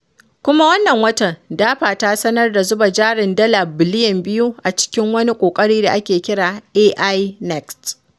Kuma wannan watan DARPA ta sanar da zuba jarin dala biliyan 2 a cikin wani ƙoƙari da ake kira AI Next.